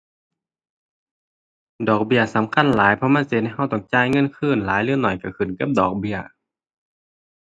ดอกเบี้ยสำคัญหลาย เพราะมันสิเฮ็ดให้เราจ่ายเงินคืนหลายหรือน้อยเราขึ้นกับดอกเบี้ย